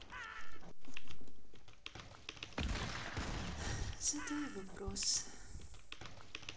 задай вопрос